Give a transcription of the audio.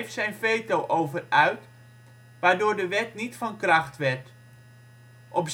zijn veto over uit, waardoor de wet niet van kracht werd. Op 16 juni 2008 besliste